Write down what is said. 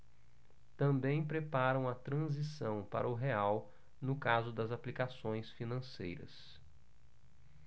também preparam a transição para o real no caso das aplicações financeiras